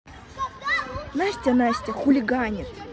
настя настя хулиганит